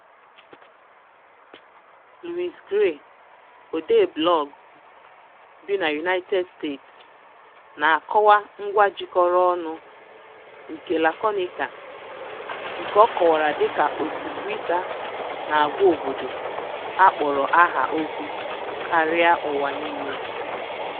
Louis Gray, odee blọọgụ bi na United States, na-akọwa ngwa jikọrọ ọnụ nke Laconi.ca, nke ọ kọwara dịka "òtù Twitter" - na-agwa obodo a kpọrọ aha okwu karịa ụwa niile.